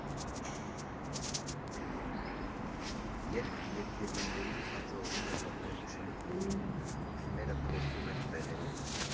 Երբ ներքևիններին հաջողվում է բռնել չլիկն օդում, թիմերը փոխվում են տեղերով։